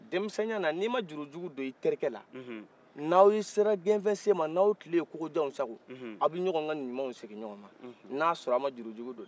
dɛmisɛn yala nin ma jurujugu don i terikɛ la n'aw sera gɛnfɛ sema n'aw tile ye kokojanw sago a bɛ ɲɔgɔn ka ɲuman segin ɲɔgɔn ma n'a ya sɔrɔ a ma jurujugu don dɛ